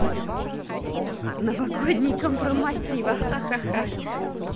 новогодний компроматива ха ха ха